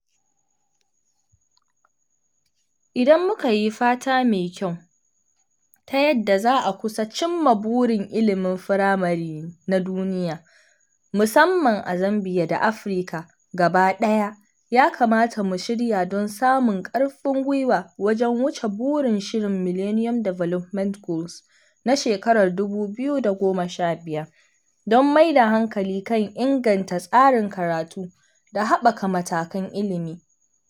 Idan muka yi fata mai kyau, ta yadda za a kusa cimma burin ilimin firamare na duniya, musamman a Zambia da Afirka gaba ɗaya, ya kamata mu shirya don samun ƙarfin gwiwa wajen wuce burin shirin Millennium Development Goals na 2015 don mai da hankali kan inganta tsarin karatu da haɓaka matakan ilimi.